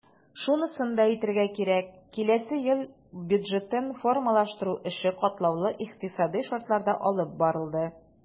Шунысын да әйтергә кирәк, киләсе ел бюджетын формалаштыру эше катлаулы икътисадый шартларда алып барылды.